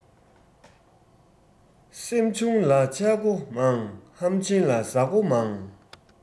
སེམས ཆུང ལ ཆགས སྒོ མང ཧམ ཆེན ལ ཟ སྒོ མང